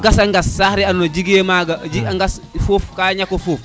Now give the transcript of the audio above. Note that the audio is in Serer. o gasa ngas saax le ando na jege maga a ngas fof ka ñako fofi